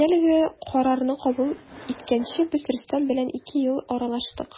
Мин әлеге карарны кабул иткәнче без Рөстәм белән ике ел аралаштык.